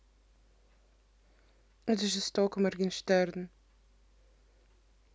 это жестоко моргенштерн